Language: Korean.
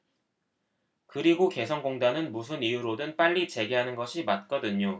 그리고 개성공단은 무슨 이유로든 빨리 재개하는 것이 맞거든요